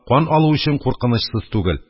Кан алу өчен куркынычсыз түгел.